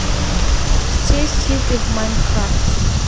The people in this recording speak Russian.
все сиды в майнкрафте